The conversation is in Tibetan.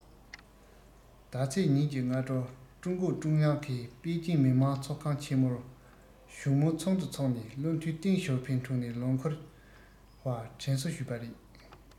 ཟླ ཚེས ཉིན གྱི སྔ དྲོར ཀྲུང གུང ཀྲུང དབྱང གིས པེ ཅིང མི དམངས ཚོགས ཁང ཆེ མོར བཞུགས མོལ ཚོགས འདུ འཚོགས ནས བློ མཐུན ཏེང ཞའོ ཕིང འཁྲུངས ནས ལོ འཁོར བར དྲན གསོ ཞུས པ རེད